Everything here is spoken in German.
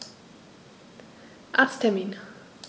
Arzttermin